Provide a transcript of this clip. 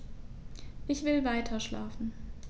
Ich will weiterschlafen.